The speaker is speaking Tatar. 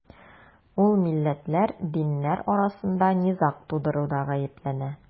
Ул милләтләр, диннәр арасында низаг тудыруда гаепләнә.